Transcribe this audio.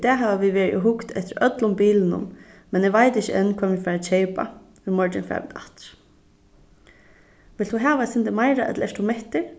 í dag hava vit verið og hugt eftir øllum bilunum men eg veit ikki enn hvønn vit fara at keypa í morgin fara vit aftur vilt tú hava eitt sindur meira ella ert tú mettur